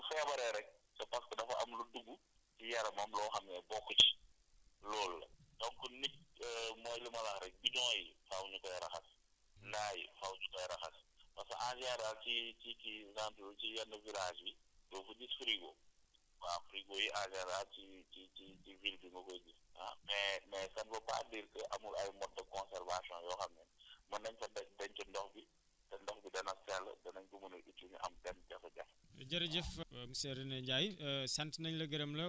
parce que ci biir yaram lay jëm parce que nit ki en général su feebaree rek c' est parce que dafa am lu dugg ci yaramam loo xam ne bokku ci loolu la donc nit mooy li ma la wax rek bidons yi faaw ñu koy raxas ndaa yi faaw ñu koy raxas parce que en général ci ci ci Ngato ci yenn villages yi doo fa gis frigo waaw frigo yi en général ci ci ci ville bi nga koy gis ah mais mais ça ne veut pas dire que amul ay ay modes de conservation yoo xam ne mën nañu ko teg dencum ndox bi te ndox bi dana sell danañ ko mën a du ñu am benn jafe-jafe